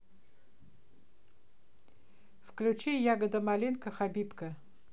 включи ягода малинка хабибка